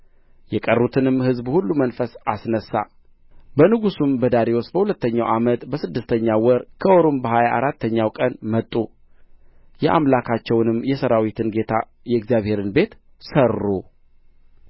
የቀሩትንም ሕዝብ ሁሉ መንፈስ አስነሣ በንጉሡም በዳርዮስ በሁለተኛው ዓመት በስድስተኛው ወር ከወሩም በሀያ አራተኛው ቀን መጡ የአምላካቸውንም የሠራዊትን ጌታ የእግዚአብሔርን ቤት ሠሩ